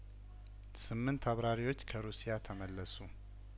ስምንት አብራሪዎች ከሩሲያ ተመለሱ